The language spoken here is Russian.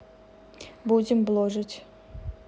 будем бложить